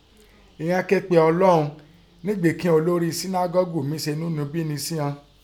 Inán ké pe Ọlọ́un níngbì kín ọn olórí sínágọ́gù mín se ẹnúnibíni sẹ́ ọn.